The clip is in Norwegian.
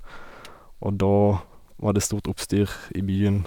Og da var det stort oppstyr i byen.